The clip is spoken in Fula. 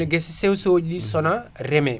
ko wayno guesse sewo sewoji ɗi sona reeme